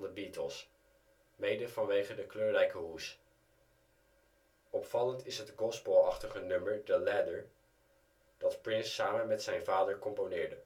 Beatles, mede vanwege de kleurrijke hoes. Opvallend is het gospelachtige nummer The Ladder, dat Prince samen met zijn vader componeerde